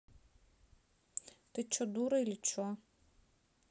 ты че дура или че